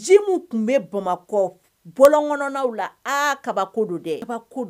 Ji min tun bɛ Bamakɔ bɔlɔn kɔnɔnaw la aa kabako dɛ, kabako